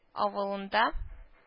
Авылында